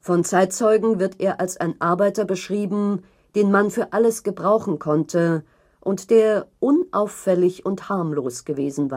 Von Zeitzeugen wird er als ein Arbeiter beschrieben, den „ man für alles gebrauchen konnte “und der „ unauffällig und harmlos gewesen